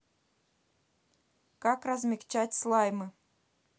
как размягчать слаймы